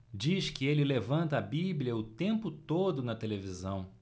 diz que ele levanta a bíblia o tempo todo na televisão